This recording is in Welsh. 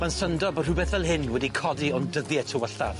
Ma'n syndod bo' rhwbeth fel hyn wedi codi o'n dyddie tywyllaf.